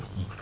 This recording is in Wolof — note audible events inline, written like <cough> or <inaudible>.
<hesitation> <hesitation>